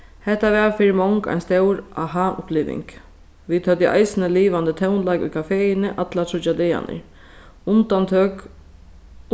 hetta var fyri mong ein stór aha-uppliving vit høvdu eisini livandi tónleik í kafeini allar tríggjar dagarnar undantøk